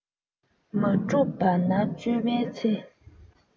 མ གྲུབ པ ན དཔྱོད པའི ཚེ